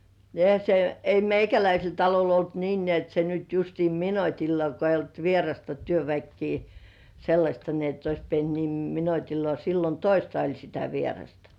niin eihän se ei meikäläisellä talolla ollut niin näet se nyt justiin minuutilla kun ei ollut vierasta työväkeä sellaista niin että olisi pitänyt niin minuutillaan silloin toista oli sitä vierasta